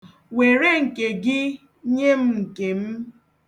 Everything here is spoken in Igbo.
Were nke gị, nye m nke m.